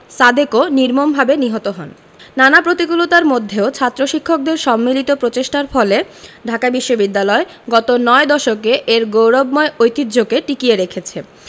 সাদেকও নির্মমভাবে নিহত হন নানা প্রতিকূলতার মধ্যেও ছাত্র শিক্ষকদের সম্মিলিত প্রচেষ্টার ফলে ঢাকা বিশ্ববিদ্যালয় বিগত নয় দশকে এর গৌরবময় ঐতিহ্যকে টিকিয়ে রেখেছে